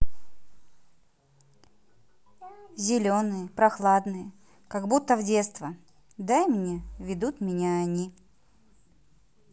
зеленые прохладные как будто в детство дай мне ведут меня они